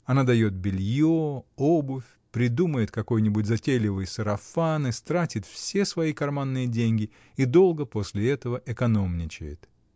Она дает белье, обувь, придумает какой-нибудь затейливый сарафан, истратит все свои карманные деньги и долго после того экономничает.